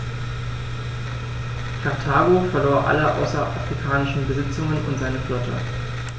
Karthago verlor alle außerafrikanischen Besitzungen und seine Flotte.